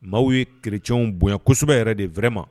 Maaw ye kirecɛnw bonya kosɛbɛ yɛrɛ de fɛrɛ ma